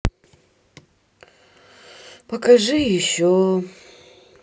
покажи еще